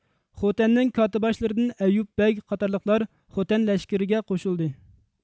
خوتەننىڭ كاتتىباشلىرىدىن ئەييۇب بەگ قاتارلىقلار خوتەن لەشكىرىگە قوشۇلدى